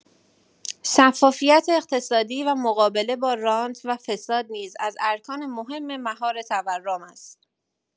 شفافیت اقتصادی و مقابله با رانت و فساد نیز از ارکان مهم مهار تورم است.